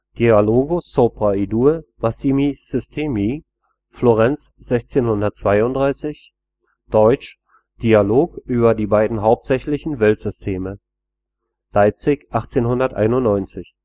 Dialogo sopra i due massimi sistemi, Florenz 1632 deutsch: Dialog über die beiden hauptsächlichen Weltsysteme, Leipzig 1891